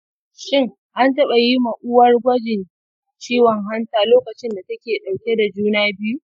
shin an taba yima uwar gwajin ciwon hanta lokacinda take dauke da juna biyu?